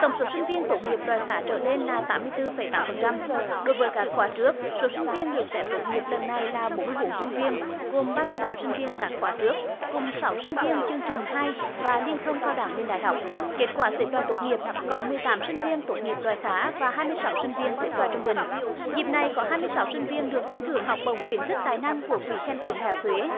tổng số sinh viên tốt nghiệp loại khá trở lên là tám mươi tư phẩy tám phần trăm đối với các khóa trước số sinh viên được xét tốt nghiệp lần này là bốn mươi bốn sinh viên gồm ba mươi tám sinh viên các khóa trước cùng sáu sinh viên chương trình hai và liên thông cao đẳng lên đại học kết quả xếp loại tốt nghiệp có mười tám sinh viên tốt nghiệp loại khá và hai mươi sáu sinh viên xếp loại trung bình dịp này có hai mươi sáu sinh viên được khen thưởng học bổng khuyến khích tài năng của quỹ khen thưởng đại học huế